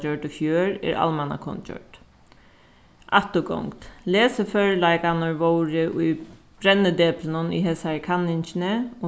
gjørd í fjør er almannakunngjørd afturgongd lesiførleikarnir vóru í brennideplinum í hesari kanningini